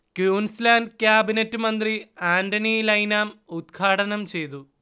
ക്യൂൻസ് land cabinet മന്ത്രി Anthony Lynham ഉത്ഘാടനം ചെയ്തു